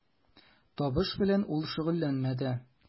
Табыш белән ул шөгыльләнмәде.